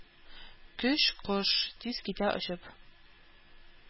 Көч кош, тиз китә очып